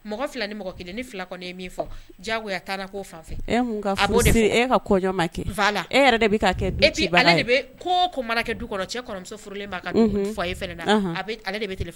Mɔgɔ fila ni mɔgɔ kelen ni fila ye min fɔ jago taara ko e e mana kɛ du kɔnɔ cɛmuso furulen' fɔ a ye ale de